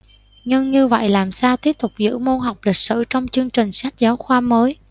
nhưng như vậy làm sao tiếp tục giữ môn học lịch sử trong chương trình sách giáo khoa mới